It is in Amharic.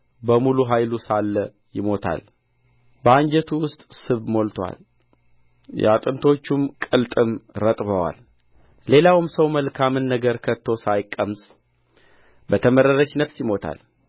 በሙሉ ኃይሉ ሳለ ይሞታል በአንጀቱ ውስጥ ስብ ሞልቶአል የአጥንቶቹም ቅልጥም ረጥቦአል ሌላውም ሰው መልካምን ነገር ከቶ ሳይቀምስ በተመረረች ነፍስ ይሞታል